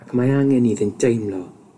Ac mae angen iddynt deimlo